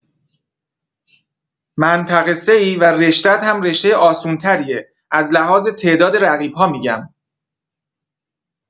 منطقه سه‌ای و رشتت هم‌رشته آسون تریه از لحاظ تعداد رقیب‌ها می‌گم